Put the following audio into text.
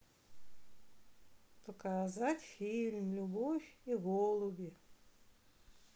показать фильм любовь и голуби